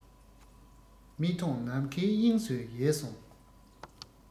མི མཐོང ནམ མཁའི དབྱིངས སུ ཡལ སོང